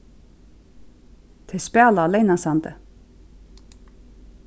tey spæla á leynasandi